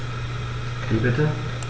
Wie bitte?